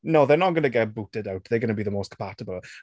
No, they're not going to get booted out. They're going to be the most compatible.